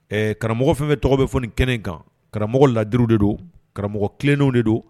Ɛɛ karamɔgɔ fɛn bɛ tɔgɔ bɛ fɔ nin kɛnɛ in kan karamɔgɔ ladiuru de don karamɔgɔ kelennenw de don